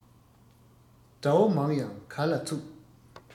དགྲ བོ མང ཡང ག ལ ཚུགས